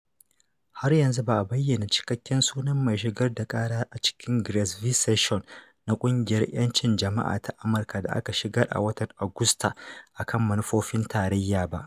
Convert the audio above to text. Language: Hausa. Har yanzu ba a bayyana Cikakken sunan mai shigar da ƙara a cikin “Grace v. Sessions” na Ƙungiyar 'Yancin Jama'a ta Amirka da aka shigar a watan Agusta a kan manufofin tarayya ba.